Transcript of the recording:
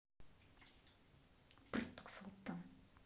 браток салтан